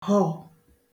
họ̀